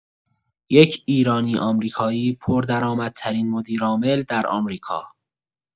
یک ایرانی - آمریکایی پردرآمدترین مدیرعامل در آمریکا